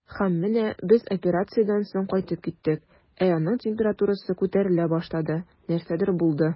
Һәм менә без операциядән соң кайтып киттек, ә аның температурасы күтәрелә башлады, нәрсәдер булды.